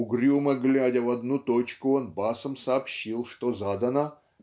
Угрюмо глядя в одну точку он басом сообщил что задано